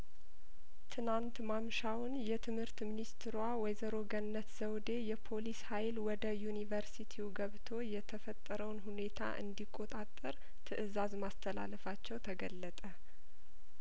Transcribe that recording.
ትናንት ማምሻውን የትምህርት ሚኒስትሯ ወይዘሮ ገነት ዘውዴ የፖሊስ ሀይል ወደ ዩኒቨርስቲው ገብቶ የተፈጠረውን ሁኔታ እንዲ ቆጣጠር ትእዛዝ ማስተላለፋቸው ተገለጠ